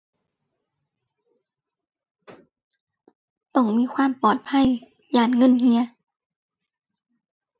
ต้องมีความปลอดภัย ย้านเงินเหี่ย